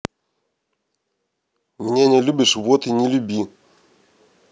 меня не любишь вот ты и не люби